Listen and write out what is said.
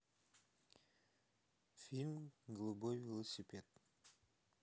фильм голубой велосипед